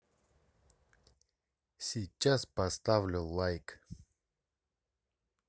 сейчас поставлю лайк